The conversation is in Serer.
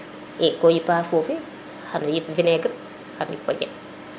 i ko yipa fofi xano yip vinaigre xano yip fojem